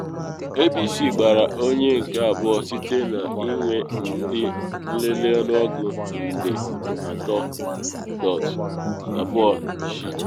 ABC gbara onye nke abụọ site na ịnwe ndị nlele ọnụọgụ nde 3.26.